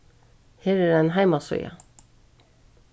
her er ein heimasíða